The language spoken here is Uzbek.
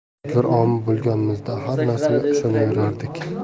bizlar omi bo'lganmiz da har narsaga ishonaverardik